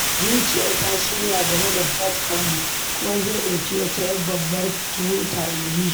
"Zuciyata ta shirya game da Brett Kavanaugh kuma zai ɗauki wata 'yar babbar tuhuma," inji shi.